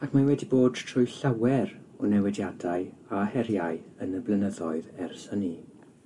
ac mae wedi bod trwy llawer o newidiadau a heriau yn y blynyddoedd ers hynny.